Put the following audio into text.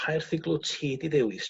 pa erthygl wt ti di ddewis...